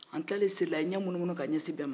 a tilalen seli la y'i ɲɛ munumunu ka ɲɛsin bɛɛ ma